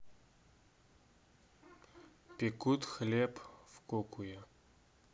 пекут хлеб в кокуе